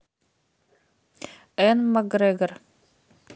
эн макгрегор